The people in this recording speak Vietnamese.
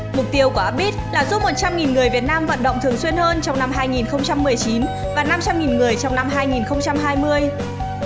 mục tiêu của up beat là giúp người việt nam vận động thường xuyên hơn trong năm và người trong năm